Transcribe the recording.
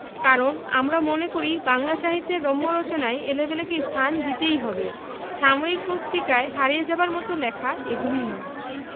কারণ আমরা মনে করি বাংলা সাহিত্যের রম্য রচনায় এলেবেলে কে স্থান দিতেই হবে সাময়িক পত্রিকায় হারিয়ে যাবার মত লেখা এগুলি নয়